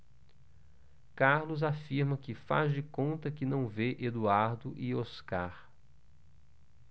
carlos afirma que faz de conta que não vê eduardo e oscar